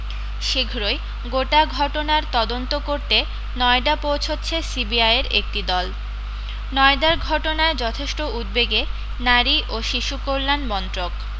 শীঘ্রই গোটা ঘটনার তদন্ত করতে নয়ডা পৌঁছচ্ছে সিবিআইয়ের একটি দল নয়ডার ঘটনায় যথেষ্ট উদ্বেগে নারী ও শিশু কল্যান মন্ত্রক